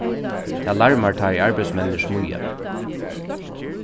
tað larmar tá ið arbeiðsmenninir smíða